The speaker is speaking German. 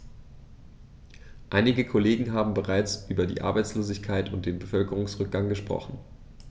Einige Kollegen haben bereits über die Arbeitslosigkeit und den Bevölkerungsrückgang gesprochen.